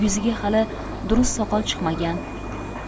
yuziga hali durust soqol chiqmagan